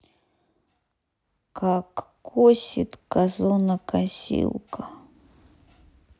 как косит газонокосилка